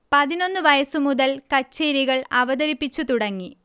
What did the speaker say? പതിനൊന്ന് വയസ്സു മുതൽ കച്ചേരികൾ അവതരിപ്പിച്ചു തുടങ്ങി